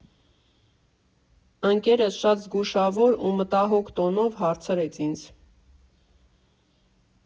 Ընկերս շատ զգուշավոր ու մտահոգ տոնով հարցրեց ինձ.